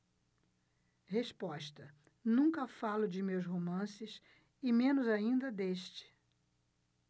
resposta nunca falo de meus romances e menos ainda deste